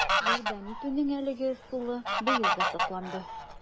Ярдәм итүнең әлеге ысулы быел да сакланды: